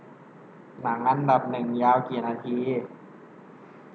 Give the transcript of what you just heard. หนังอันดับหนึ่งยาวกี่นาที